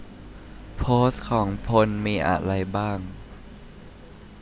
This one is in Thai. โพสต์ของพลมีอะไรบ้าง